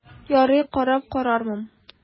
Ярый, карап карармын...